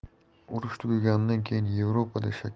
urush tugaganidan keyin yevropada